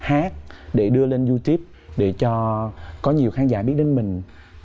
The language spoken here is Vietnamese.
hát để đưa lên riu túp để cho có nhiều khán giả biết đến mình